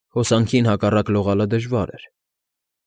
Հոսանքին հակառակ լողալը դժվար էր։